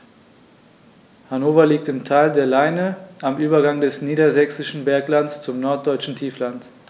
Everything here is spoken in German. Hannover liegt im Tal der Leine am Übergang des Niedersächsischen Berglands zum Norddeutschen Tiefland.